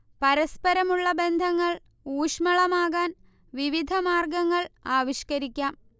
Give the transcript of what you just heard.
പരസ്പരമുള്ള ബന്ധങ്ങൾ ഊഷ്ളമാകാൻ വിവിധ മാർഗങ്ങൾ ആവിഷ്കരിക്കാം